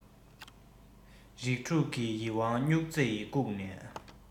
རིགས དྲུག གི ཡིད དབང སྨྱུག རྩེ ཡིས བཀུག ནས